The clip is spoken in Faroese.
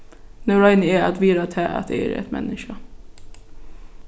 nú royni eg at virða tað at eg eri eitt menniskja